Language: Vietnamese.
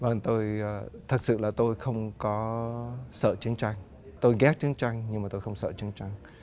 vâng tôi thật sự là tôi không có sợ chiến tranh tôi ghét chiến tranh nhưng mà tôi không sợ chiến tranh